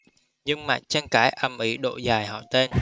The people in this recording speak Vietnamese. dân mạng tranh cãi ầm ĩ độ dài họ tên